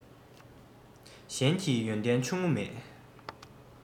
གཞན གྱི ཡོན ཏན ཆུང ངུའང ལེན